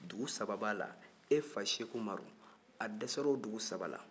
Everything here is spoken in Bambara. dugu saba b'ala e fa seku umaru a dɛsɛr'o dugu saba la